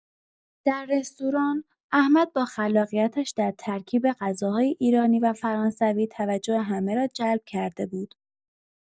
در رستوران، احمد با خلاقیتش در ترکیب غذاهای ایرانی و فرانسوی توجه همه را جلب کرده بود.